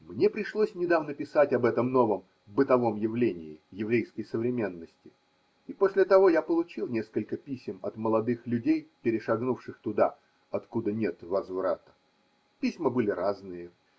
Мне пришлось недавно писать об этом новом бытовом явлении еврейской современности, и после того я получил несколько писем от молодых людей, перешагнувших туда, откуда нет возврата. Письма были разные.